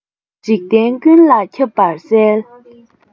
འཇིག རྟེན ཀུན ལ ཁྱབ པར གསལ